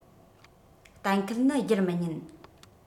གཏན འཁེལ ནི སྒྱུར མི ཉན